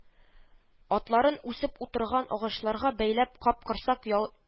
Атларын үсеп утырган агачларга бәйләп, Капкорсак ял